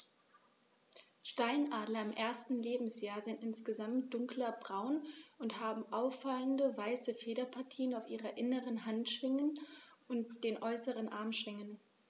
Steinadler im ersten Lebensjahr sind insgesamt dunkler braun und haben auffallende, weiße Federpartien auf den inneren Handschwingen und den äußeren Armschwingen.